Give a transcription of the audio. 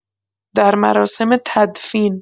در مراسم تدفین